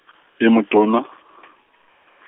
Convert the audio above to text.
e motona .